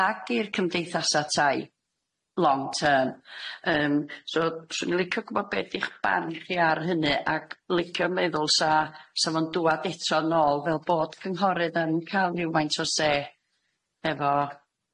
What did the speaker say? ag i'r cymdeithasa' tai long term yym so swn i'n licio gwbod be' dych barn chi ar hynny ac licio meddwl sa sa fo'n dŵad eto nôl fel bod cynghorydd yn ca'l ryw faint o sê efo